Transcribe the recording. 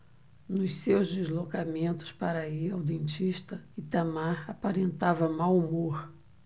nos seus deslocamentos para ir ao dentista itamar aparentava mau humor